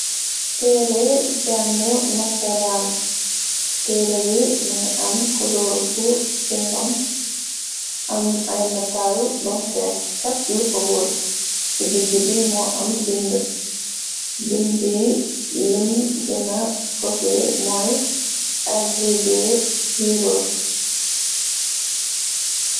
Teere jàngu nasaraan teere bi mangi am koloor bu singam am ay nataal bam feef capp luko wër ci digg bi moo am bind bind yi lëm gëna fose mooy avridey hyros.